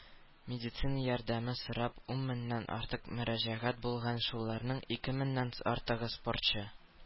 Медицина ярдәме сорап ун меңнән артык мөрәҗәгать булган, шуларның ике меңнән артыгы - спортчы.